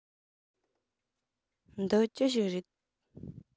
འདི ཅི ཞིག རེད